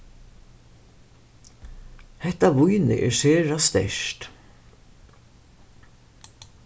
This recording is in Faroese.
hetta vínið er sera sterkt